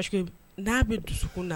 na bi dusukun na